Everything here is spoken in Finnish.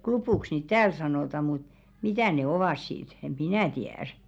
klupuksi niitä täällä sanotaan mutta mitä ne ovat sitten en minä tiedä